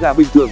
gà bình thường